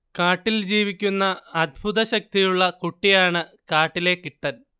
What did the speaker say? കാട്ടിൽ ജീവിക്കുന്ന അത്ഭുത ശക്തിയുള്ള കുട്ടിയാണ് കാട്ടിലെ കിട്ടൻ